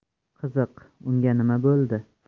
qiziq unga nima bo'ldi